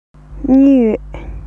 གཉིས ཡོད